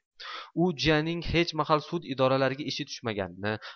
u jiyanining hechmahal sud idoralariga ishi tushmaganini